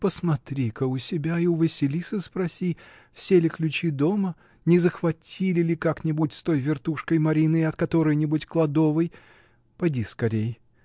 Посмотри-ка у себя и у Василисы спроси: все ли ключи дома, не захватили ли как-нибудь с той вертушкой, Мариной, от которой-нибудь кладовой — поди скорей!